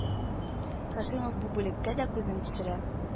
Һашимов бу бүлеккә дә күзен төшерә